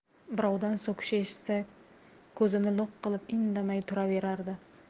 birovdan so'kish eshitsa ko'zini lo'q qilib indamay turaverardi